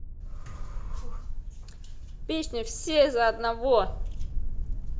песня все за одного